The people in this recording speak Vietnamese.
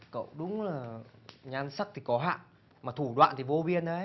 cậu đúng là nhan sắc thì có hạn mà thủ đoạn thì vô biên đấy